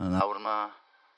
A nawr ma'